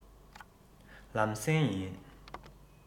ལམ སེང ཡིན